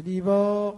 Baba